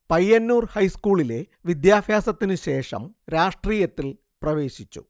പയ്യന്നൂർ ഹൈസ്കൂളിലെ വിദ്യാഭ്യാസത്തിനു ശേഷം രാഷ്ട്രീയത്തിൽ പ്രവേശിച്ചു